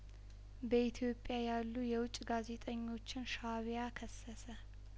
በኢትዮጵያ ያሉ የውጭ ጋዜጠኞችን ሻእቢያ ከሰሰ